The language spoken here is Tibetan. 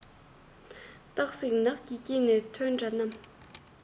སྟག གཟིག ནགས ཀྱི དཀྱིལ ནས ཐོན འདྲ རྣམས